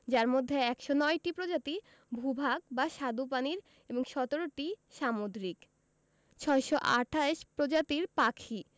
যার মধ্যে ১০৯টি প্রজাতি ভূ ভাগ বা স্বাদুপানির এবং ১৭টি সামুদ্রিক ৬২৮ প্রজাতির পাখি